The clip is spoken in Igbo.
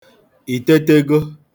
ìtetego